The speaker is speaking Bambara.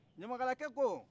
ɲamakalakɛ ko